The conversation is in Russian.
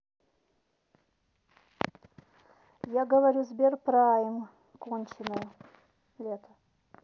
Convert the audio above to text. я говорю сберпрайм конченная лето